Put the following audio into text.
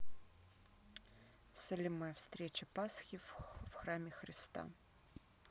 салиме встреча пасхи в храме христа